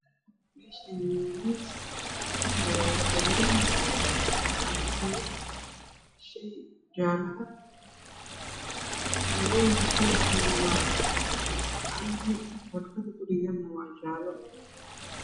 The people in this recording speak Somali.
Meeshaani waa miis waxaa yaalo dhalooyin waxaa ku jiro shay jaalo dhalooyinka karkooda waa canbo warqada ku dhagan waa jaalo